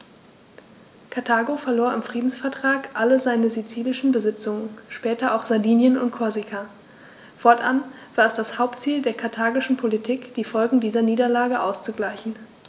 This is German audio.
Karthago verlor im Friedensvertrag alle seine sizilischen Besitzungen (später auch Sardinien und Korsika); fortan war es das Hauptziel der karthagischen Politik, die Folgen dieser Niederlage auszugleichen.